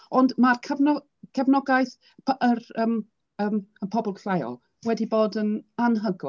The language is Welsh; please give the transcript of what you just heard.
Ond mae'r cefno- cefnogaeth p- yr yym yym y pobl lleol wedi bod yn anhygoel.